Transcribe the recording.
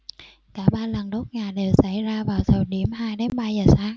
cả ba lần đốt nhà đều xảy ra vào thời điểm hai đến ba giờ sáng